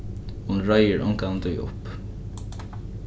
hon reiðir ongantíð upp